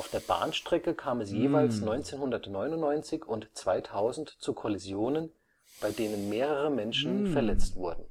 der Bahnstrecke kam es jeweils 1999 und 2000 zu Kollisionen, bei denen mehrere Menschen verletzt wurden